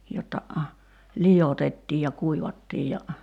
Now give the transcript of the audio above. jotta liotettiin ja kuivattiin ja